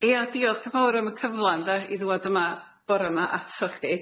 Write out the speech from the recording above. Ia diolch yn fawr am y cyfla ynde i ddŵad yma bore 'ma atoch chi.